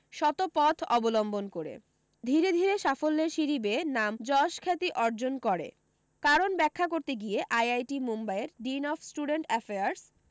সত পথ অবলম্বন করে ধীরে ধীরে সাফল্যের সিঁড়ি বেয়ে নাম যশ খ্যাতি অর্জন করে কারণ ব্যাখ্যা করতে গিয়ে আইআইটি মুম্বাইয়ের ডিন অফ স্টুডেন্ট অ্যাফেয়ার্স